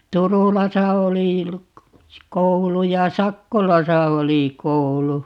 Turulassa oli koulu ja Sakkolassa oli koulu